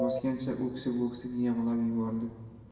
bosgancha o'ksib o'ksib yigl'ab yubordi